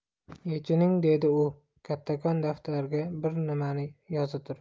yechining dedi u kattakon daftarga bir nimani yoza turib